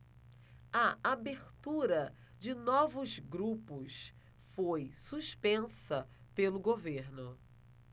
a abertura de novos grupos foi suspensa pelo governo